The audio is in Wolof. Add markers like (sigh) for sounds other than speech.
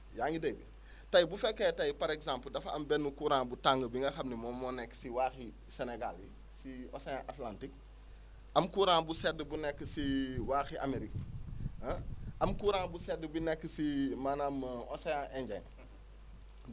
yaa ngi dégg tey bu fekkee tey par exemple dafa am benn courant bu tàng bi nga xam ni moom moo nekk si waax i Sénégal yi si Océan atlantique am courant bu sedd bu nekk si waax i Amérique (noise) ah am courant bu sedd bu nekk si maanaam Océan Indien